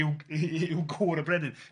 ...i'w i'w i'w gŵr y brenin!